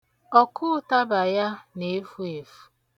Ọkụụtaba ya na-efu efu.